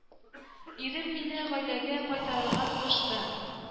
Ирем мине гаиләгә кайтарырга тырышты